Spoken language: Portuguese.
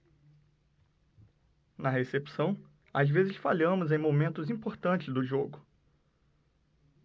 na recepção às vezes falhamos em momentos importantes do jogo